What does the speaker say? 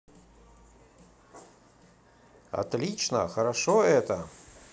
отлично хорошо это